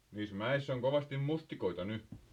niissä mäissä on kovasti mustikoita nyt